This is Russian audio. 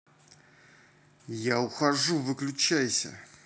я ухожу выключайся